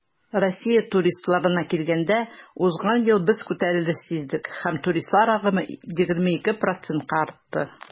Россия туристларына килгәндә, узган ел без күтәрелеш сиздек һәм туристлар агымы 22 %-ка артты.